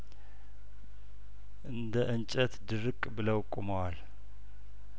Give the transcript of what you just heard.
እንደ እንጨት ድርቅ ብለው ቁመዋል